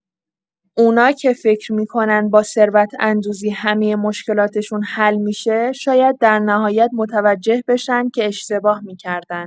اونا که فکر می‌کنن با ثروت‌اندوزی همه مشکلاتشون حل می‌شه، شاید درن‌هایت متوجه بشن که اشتباه می‌کردن.